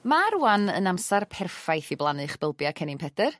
Ma' rŵan yn amser perffaith i blannu'ch bulbia cennin Pedyr